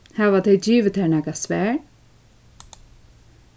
hava tey givið tær nakað svar